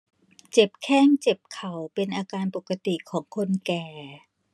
เจ็บแข้งเจ็บเข่าเป็นอาการปกติของคนแก่